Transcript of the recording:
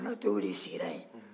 konatɛw de sigira yen